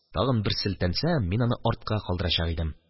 Тагын бер селтәнсәм, мин аны артка калдырачак идем.